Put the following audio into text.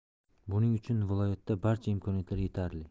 buning uchun viloyatda barcha imkoniyatlar yetarli